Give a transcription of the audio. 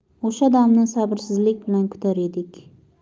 o'sha damni sabrsizlik bilan kutar edik